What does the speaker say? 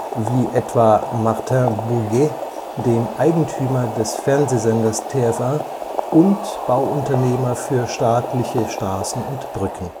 wie etwa Martin Bouygues, dem Eigentümer des Fernsehsenders TF1 und Bauunternehmer für staatliche Straßen und Brücken